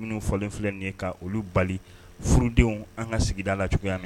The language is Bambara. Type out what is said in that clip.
Minnu fɔlen filɛnen ye ka olu bali furudenw an ka sigida la cogoyaya na